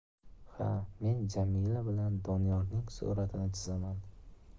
ha men jamila bilan doniyorning suratini chizaman